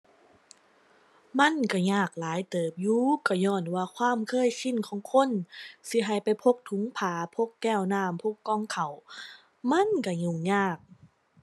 มันก็ยากหลายเติบอยู่ ก็ญ้อนว่าความเคยชินของคน สิให้ไปพกถุงผ้า พกแก้วน้ำ พกกล่องข้าว มันก็ยุ่งยาก